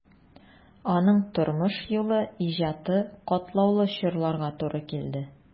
Аның тормыш юлы, иҗаты катлаулы чорларга туры килде.